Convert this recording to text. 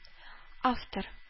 Автор